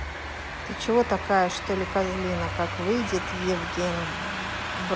ты чего такая что ли козлина как выйдет евген бро